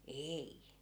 ei